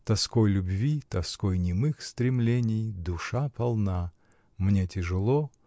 Тоской любви, тоской немых стремлений Душа полна; Мне тяжело.